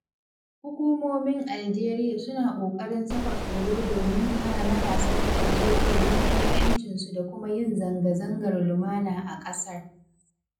Hukumomin Algeria suna ƙoƙarin saka tsoro domin su hana matasan Algeria neman 'yancinsu da kuma yin zangazangar lumana a ƙasar.